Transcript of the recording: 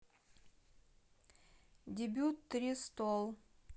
дебют три стол